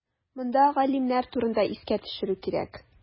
Монда галимнәр турында искә төшерү кирәк.